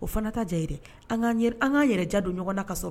O fana t'a diya ye dɛ, an ka diya don ɲɔgɔn na ka sɔrɔ